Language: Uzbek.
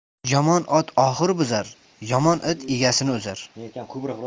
yomon ot oxur buzar yomon it egasini uzar